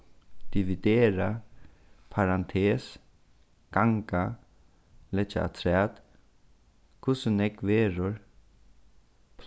dividera parantes ganga leggja afturat hvussu nógv verður